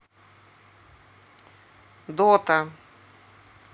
дота